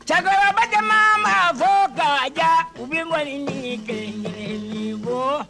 Cɛkɔrɔbabakɛ mama ma fo ka diya u bɛ bɔ ni gɛnli bɔ